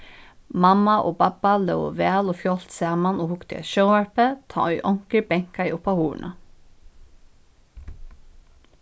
mamma og babba lógu væl og fjálgt saman og hugdu at sjónvarpi tá ið onkur bankaði upp á hurðina